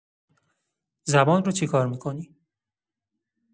زبان رو چی کار می‌کنی؟